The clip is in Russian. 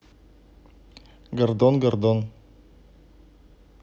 гордон гордон